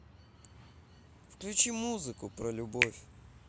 включи музыку про любовь